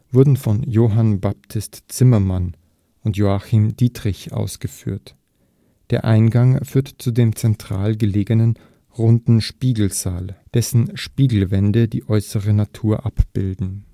wurden von Johann Baptist Zimmermann und Joachim Dietrich ausgeführt. Der Eingang führt zu dem zentral gelegenen, runden Spiegelsaal, dessen Spiegelwände die äußere Natur abbilden